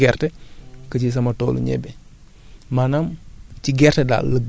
man damay préféré jël sama cent kilos boobu ma def ko ci sama toolu gerte